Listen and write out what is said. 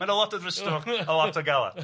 Ma' na lot o dristwch a lot o